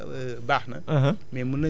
tas tasaare non ni xam nga ni nga ko détaillé sax